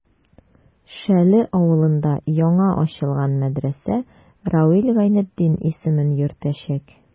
Шәле авылында яңа ачылган мәдрәсә Равил Гайнетдин исемен йөртәчәк.